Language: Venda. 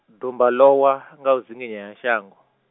dumba lowa, nga u dzinginyea ha shango.